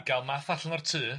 ... I ga'l Math allan o'r tŷ...